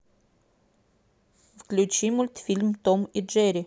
включи мультфильм том и джерри